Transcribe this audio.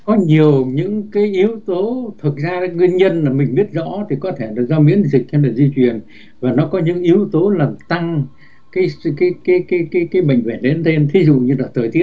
có nhiều những cái yếu tố thực ra nguyên nhân là mình biết rõ thì có thể được do miễn dịch hay là di truyền và nó có những yếu tố làm tăng cái cái cái cái cái cái bệnh viện đến đêm thí dụ như thời tiết